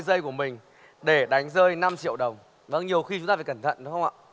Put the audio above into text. giây của mình để đánh rơi năm triệu đồng vâng nhiều khi chúng ta phải cẩn thận đúng không ạ